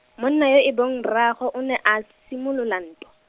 monna yo e bong rraagwe o ne a simolola ntwa.